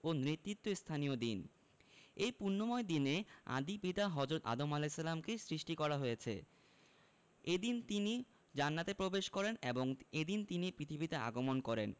ও নেতৃত্বস্থানীয় দিন এ পুণ্যময় দিনে আদি পিতা হজরত আদম আ কে সৃষ্টি করা হয় এদিন তিনি জান্নাতে প্রবেশ করেন এবং এদিন তিনি পৃথিবীতে আগমন করেন